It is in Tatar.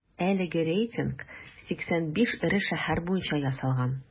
Әлеге рейтинг 85 эре шәһәр буенча ясалган.